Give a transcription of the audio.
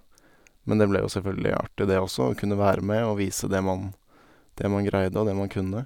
Men det ble jo selvfølgelig artig, det også, å kunne være med og vise det man det man greide, og det man kunne.